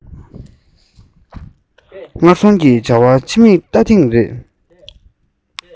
སྔར སོང གི བྱ བར ཕྱི མིག བལྟ ཐེངས རེར